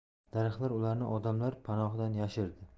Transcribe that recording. daraxtlar ularni odamlar panohidan yashirdi